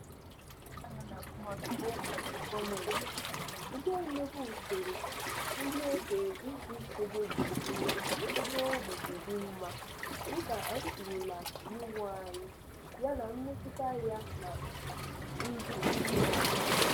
Anyị na-eleba anya n'atụmatụ gọọmentị nke imebi usoro ndị e kere iji chebe gburugburu ebe obibi dị mma, dịka anyị hụrụla n'iwu anyị, ya na mmetụta ya na ndụ ndị mmadụ.